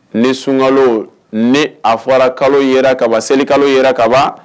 Ni sunka ni a fɔra kalo yɛrɛ kaban selika yɛrɛ ka